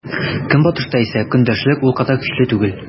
Көнбатышта исә көндәшлек ул кадәр көчле түгел.